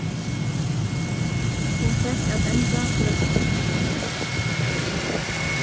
hon fekk at enda lestrarstuðul